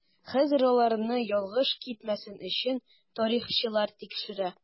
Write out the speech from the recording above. Хәзер аларны ялгыш китмәсен өчен тарихчылар тикшерә.